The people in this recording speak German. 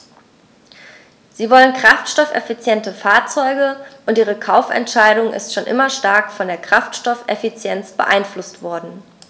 Sie wollen kraftstoffeffiziente Fahrzeuge, und ihre Kaufentscheidung ist schon immer stark von der Kraftstoffeffizienz beeinflusst worden.